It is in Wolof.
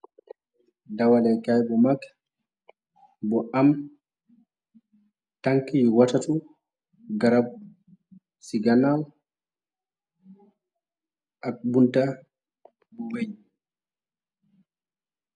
Dawalekaay bu mag, bu am tank yu watatu, garab ci ganaal ak bunta bu mëñ.